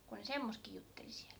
kun ne semmoistakin jutteli siellä